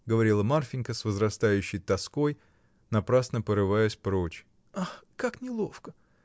— говорила Марфинька с возрастающей тоской, напрасно порываясь прочь, — ах, как неловко!